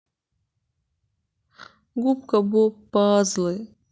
губка боб пазлы